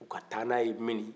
u ka taa n'a ye minni